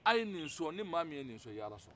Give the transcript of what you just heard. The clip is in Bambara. a' nin sɔn ni maa min ye ni sɔn i ye ala sɔn